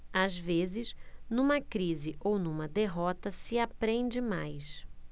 às vezes numa crise ou numa derrota se aprende mais